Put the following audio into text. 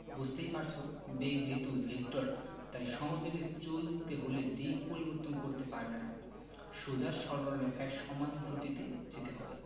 বুঝতেই পারছ বেগ যেহেতু ভেক্টর তাই সমবেগে চলতে হলে দিক পরিবর্তন করতে পারবে না সোজা সরল রেখায় সমান দ্রুতিতে যেতে হবে